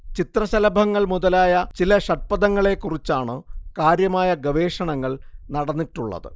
ചിത്രശലഭങ്ങൾ മുതലായ ചില ഷഡ്പദങ്ങളേക്കുറിച്ചാണ് കാര്യമായ ഗവേഷണങ്ങൾ നടന്നിട്ടുള്ളത്